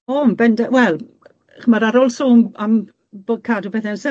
O yn benda- wel ch'mod ar ôl sôn am bo- cadw pethe'n